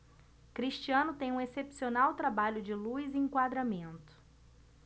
cristiano tem um excepcional trabalho de luz e enquadramento